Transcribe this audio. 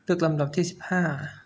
เลือกลำดับที่สิบห้า